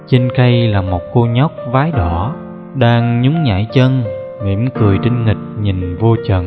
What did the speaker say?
trên cây là một cô nhóc váy đỏ đang nhúng nhảy chân mỉm cười tinh nghịch nhìn vô trần